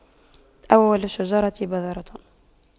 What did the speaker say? أول الشجرة بذرة